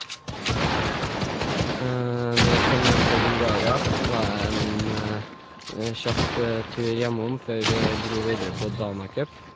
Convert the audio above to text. Når vi kom hjem fra Bulgaria, var jeg en kjapp tur hjemom før vi dro videre på Dana Cup.